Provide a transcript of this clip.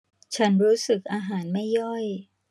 ฉันรู้สึกอาหารไม่ย่อย